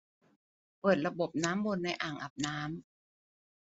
เปิดระบบน้ำวนในอ่างอาบน้ำ